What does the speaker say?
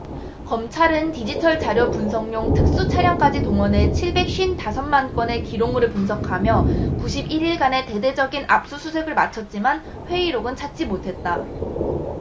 검찰은 디지털자료 분석용 특수차량까지 동원해 칠백 쉰 다섯 만건의 기록물을 분석하며 구십 일 일간의 대대적인 압수수색을 마쳤지만 회의록은 찾지 못했다